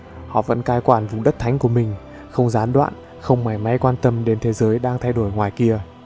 họ vẫn cai quản vùng đất thánh của mình không gián đoạn không mảy may quan tâm đến thế giới đang thay đổi ngoài kia